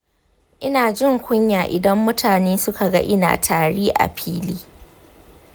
ina jin kunya idan mutane suka ga ina tari a fili.